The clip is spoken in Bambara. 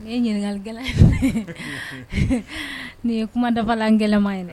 Nin ɲininkali nin ye kuma dafalankɛla ye dɛ